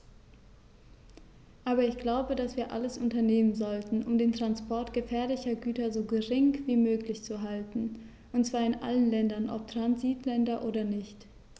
Aber ich glaube, dass wir alles unternehmen sollten, um den Transport gefährlicher Güter so gering wie möglich zu halten, und zwar in allen Ländern, ob Transitländer oder nicht.